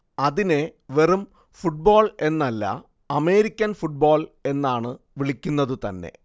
അതിനെ വെറും ഫുട്ബോൾ എന്നല്ല അമേരിക്കൻ ഫുട്ബോൾ എന്നാണ് വിളിക്കുന്നത് തന്നെ